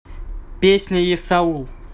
песня есаул